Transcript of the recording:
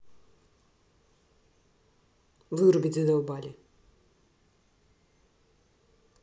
вырубить задолбали